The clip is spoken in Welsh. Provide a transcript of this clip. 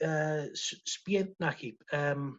yy s- sbien- naci yym